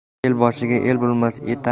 eli boshqa el bo'lmas